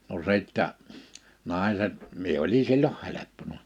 no sitten naiset minä oli silloin helppona